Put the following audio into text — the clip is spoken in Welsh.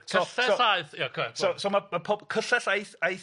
So... Cyllell aeth ia c-... ...so so ma' ma' pob cyllell aeth aeth